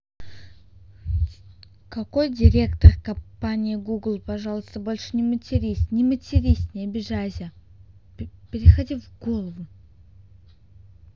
какой директор компании google пожалуйста больше не матерись не матерись не обижайся переходи в голову